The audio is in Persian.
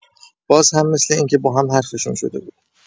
بازم مثل اینکه باهم حرفشون شده بود